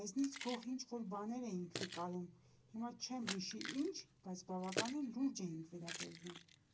մեզնից գոհ ինչ֊որ բաներ էինք նկարում, հիմա չեմ հիշի ինչ, բայց բավականին լուրջ էինք վերաբերվում։